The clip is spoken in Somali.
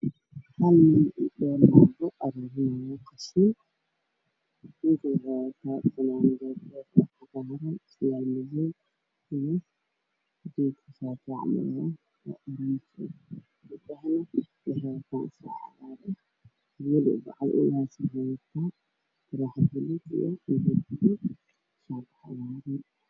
Waxaa ii muuqda nin iyo naago nadiifin hayo meel qashin yaalo oo bac ku guraya